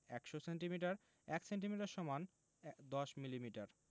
১০০ centimetre ১ centimetre = ১০ millimetre